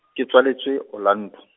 ke tswaletswe, Orlando.